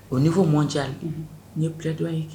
O fɔ mɔn cari n ye kidon ye kɛ